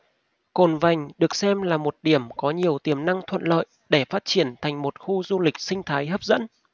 cồn vành được xem là một điểm có nhiều tiềm năng thuận lợi để phát triển thành một khu du lịch sinh thái hấp dẫn